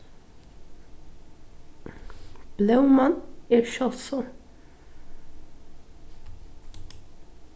blóman er sjáldsom